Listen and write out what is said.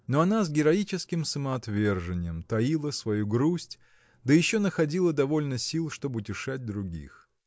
Но она с героическим самоотвержением таила свою грусть да еще находила довольно сил чтоб утешать других.